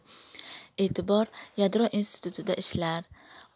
e'tibor yadro institutida ishlar